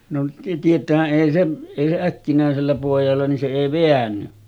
no tietäähän ei se ei se äkkinäisellä pojalla niin se ei väänny